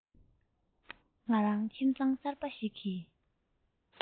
ང རང ཁྱིམ ཚང གསར པ ཞིག གི